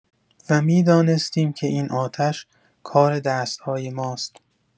و می‌دانستیم که این آتش، کار دست‌های ماست.